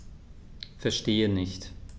Verstehe nicht.